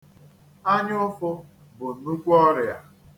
Anyaụfụ bụ nnukwu ọrịa.